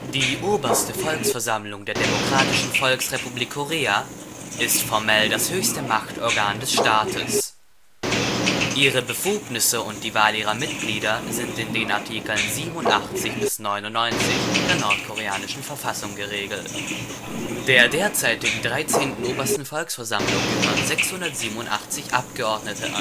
Die Oberste Volksversammlung der Demokratischen Volksrepublik Korea ist formell das höchste Machtorgan des Staates. Ihre Befugnisse und die Wahl ihrer Mitglieder sind in den Artikeln 87 bis 99 der nordkoreanischen Verfassung geregelt. Der derzeitigen 13. Obersten Volksversammlung gehören 687 Abgeordnete